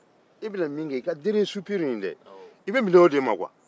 i bɛ minɛ i ka supiri laban ma